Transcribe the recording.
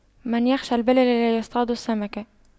من يخشى البلل لا يصطاد السمك